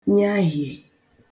nyahiè